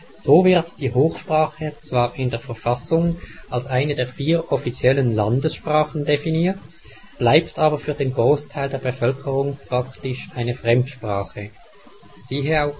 So wird die Hochsprache zwar in der Verfassung als eine der vier offiziellen Landessprachen definiert, bleibt aber für den Großteil der Bevölkerung praktisch eine Fremdsprache (siehe